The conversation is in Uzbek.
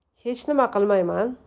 hech nima qilmayman